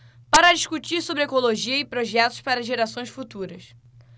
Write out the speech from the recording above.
para discutir sobre ecologia e projetos para gerações futuras